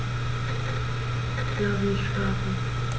Lass mich schlafen